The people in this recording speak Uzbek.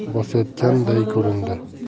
yon bosayotganday ko'rindi